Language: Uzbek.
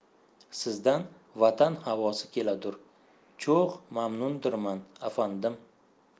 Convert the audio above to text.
sizdan vatan havosi keladur cho'x mamnundirman afandim